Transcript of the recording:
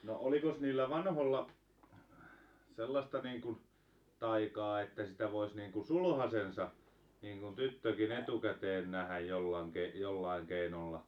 no olikos niillä vanhoilla sellaista niin kuin taikaa että sitä voisi niin kuin sulhasensa niin kuin tyttökin etukäteen nähdä jollakin - jollakin keinolla